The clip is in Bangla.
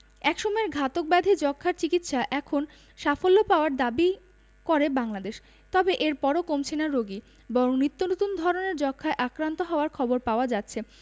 একসময়ের ঘাতক ব্যাধি যক্ষ্মার চিকিৎসায এখন সাফল্য পাওয়ার দাবি করে বাংলাদেশ তবে এরপরও কমছে না রোগী বরং নিত্যনতুন ধরনের যক্ষ্মায় আক্রান্ত হওয়ার খবর পাওয়া যাচ্ছে